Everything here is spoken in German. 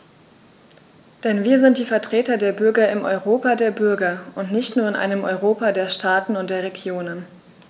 Denn wir sind die Vertreter der Bürger im Europa der Bürger und nicht nur in einem Europa der Staaten und der Regionen.